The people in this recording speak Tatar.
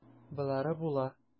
Болары була.